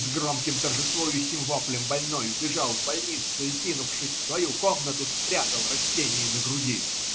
С громким торжествующим воплем больной вбежал в больницу и, кинувшись в свою комнату, спрятал растение на груди.